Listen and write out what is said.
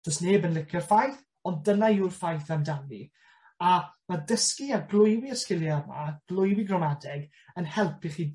Do's neb yn licio'r ffaith, ond dyna yw'r ffaith amdani. A ma' dysgu a glwyfi y sgilie yma, glwyfi gramadeg, yn helpu chi